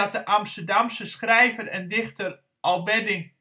de Amsterdamse schrijver en dichter Alberdingk Thijm in 1850